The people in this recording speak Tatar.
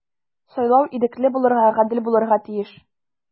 Сайлау ирекле булырга, гадел булырга тиеш.